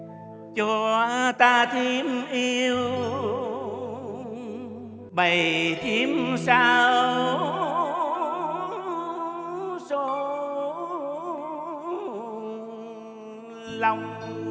cho ta thêm yêu bầy chim sáo sổ lồng